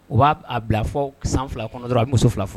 U b'a a bilafɔ san fila kɔnɔ dɔrɔn a muso fila fɔlɔ